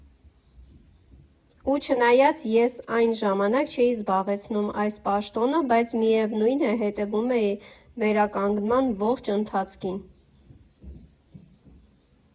Ու չնայած ես այն ժամանակ չէի զբաղեցնում այս պաշտոնը, բայց միևնույն է, հետևում էի վերականգնման ողջ ընթացքին։